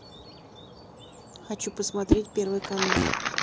хочу посмотреть первый канал